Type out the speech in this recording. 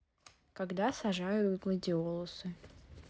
когда сажают гладиолусы